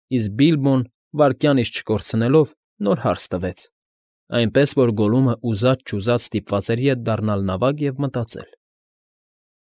Իսկ Բիլբոն, վայրկյան իսկ չկորցնելով, նոր հարց տվեց, այնպես որ Գոլլումը ուզած֊չուզած ստիպված էր ետ դառնալ նավակ և մտածել։